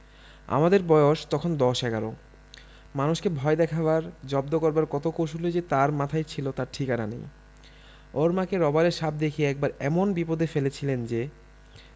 আমাদের বয়স তখন দশ এগারো মানুষকে ভয় দেখাবার জব্দ করবার কত কৌশলই যে তার মাথায় ছিল তার ঠিকানা নেই ওর মাকে রবারের সাপ দেখিয়ে একবার এমন বিপদে ফেলেছিলেন যে